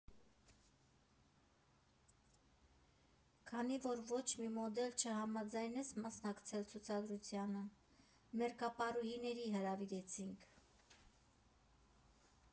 Քանի որ ոչ մի մոդել չհամաձայնեց մասնակցել ցուցադրությանը, մերկապարուհիների հրավիրեցինք։